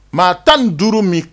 Maa 15 min